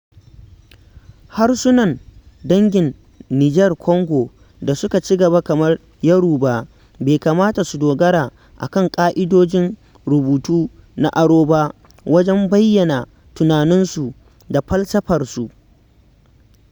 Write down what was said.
Harsunan dangin Niger-Congo da suka ci-gaba kamar Yoruba bai kamata su dogara a kan ƙa'idojin rubutu na aro ba wajen bayyana tunaninsu da falsafarsu.